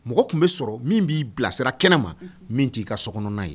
Mɔgɔ tun bɛ sɔrɔ min b'i bilasira kɛnɛ ma min t'i ka sogɔnɔ ye